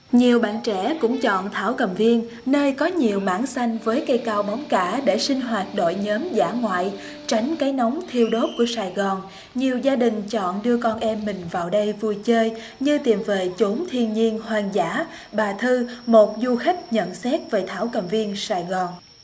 nhiều bạn trẻ cũng chọn thảo cầm viên nơi có nhiều bản xanh với cây cao bóng cả để sinh hoạt đội nhóm dã ngoại tránh cái nóng thiêu đốt của sài gòn nhiều gia đình chọn đưa con em mình vào đây vui chơi như tìm về chốn thiên nhiên hoang dã bà thư một du khách nhận xét về thảo cầm viên sài gòn